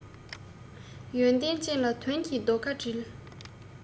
ཡོན ཏན ཅན ལ དོན གྱི རྡོ ཁ སྒྲིལ